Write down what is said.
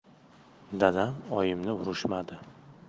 dadam oyimni urishmadi